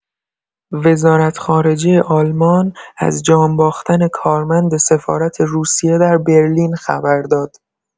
وزارت‌خارجه آلمان از جان باختن کارمند سفارت روسیه در برلین خبر داد.